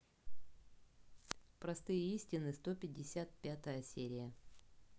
простые истины сто пятьдесят пятая серия